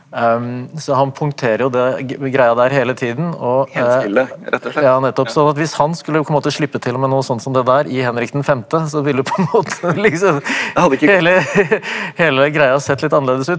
så han poengterer jo greia der hele tiden og ja nettopp sånn at hvis han skulle på en måte slippe til med noe sånt som det der i Henrik den femte så ville på en måte liksom hele hele greia sett litt annerledes ut.